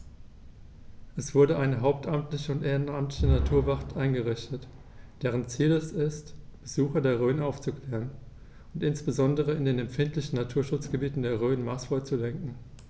Es wurde eine hauptamtliche und ehrenamtliche Naturwacht eingerichtet, deren Ziel es ist, Besucher der Rhön aufzuklären und insbesondere in den empfindlichen Naturschutzgebieten der Rhön maßvoll zu lenken.